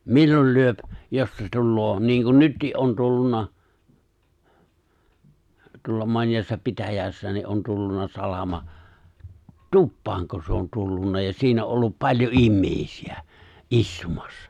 milloin lyö jos se tulee niin kuin nytkin on tullut tuolla monessa pitäjässä niin on tullut salama tupaanko se on tullut ja siinä on ollut paljon ihmisiä istumassa